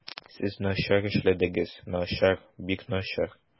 Сез начар эшләдегез, начар, бик начар.